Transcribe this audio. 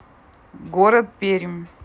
город пермь